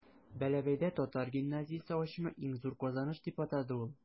Бәләбәйдә татар гимназиясе ачуны иң зур казаныш дип атады ул.